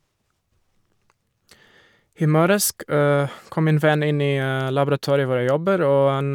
I morges k kom min venn inn i laboratoriet hvor jeg jobber, og han...